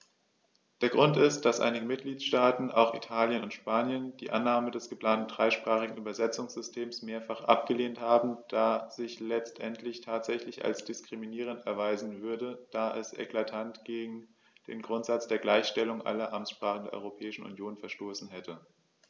Der Grund ist, dass einige Mitgliedstaaten - auch Italien und Spanien - die Annahme des geplanten dreisprachigen Übersetzungssystems mehrfach abgelehnt haben, das sich letztendlich tatsächlich als diskriminierend erweisen würde, da es eklatant gegen den Grundsatz der Gleichstellung aller Amtssprachen der Europäischen Union verstoßen hätte.